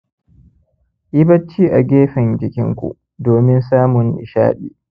yi bacci a gefen jikinku domin samun nishaɗi